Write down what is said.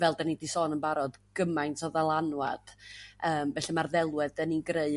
fel 'da ni 'di sôn yn barod gymaint o ddylanwad yym felly ma'r ddelwedd 'da ni'n greu